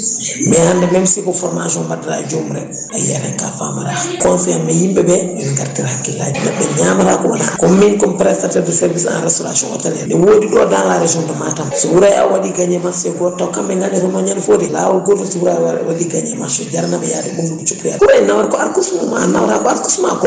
mais hande même si ko formation baddata e joomum en tan a yiiyat hen ka famata conseil ammi yimɓeɓe yoɓe gartir hakkillaji mabɓe neɗɗo ñamata kowona kowoni coome présentateur du service en restauration ne wodi ɗo dans la région de Matam so wona so Houraye Aw waɗi gagné match goto taw kamɓe gagnotono ñande fo de lawol gotol Houraye Aw waɗi gagné ne jaraniɓe yaade ɓunndu ɓe cippiroya Houraye nawata ko arsugue mum an nawata ko arsugue ma